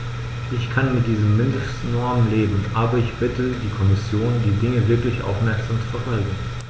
Ich kann mit diesen Mindestnormen leben, aber ich bitte die Kommission, die Dinge wirklich aufmerksam zu verfolgen.